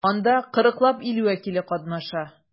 Анда 40 лап ил вәкиле катнаша.